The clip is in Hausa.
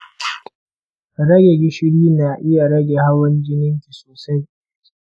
rage gishiri na iya rage hawan jininki sosai.